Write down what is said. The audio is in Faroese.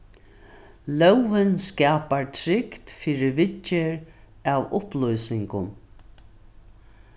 lógin skapar trygd fyri viðgerð av upplýsingum